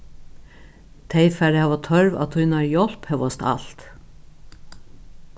tey fara at hava tørv á tínari hjálp hóast alt